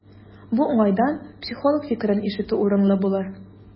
Бу уңайдан психолог фикерен ишетү урынлы булыр.